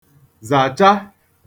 zàcha